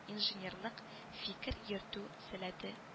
Инженерлык фикер йөртү сәләте